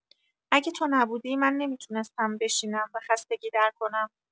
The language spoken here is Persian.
اگه تو نبودی، من نمی‌تونستم بشینم و خستگی در کنم.